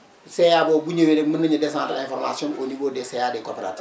CA boobu bu ñëwee rek mën nañu descendre information bi au niveau des Ca des coopératives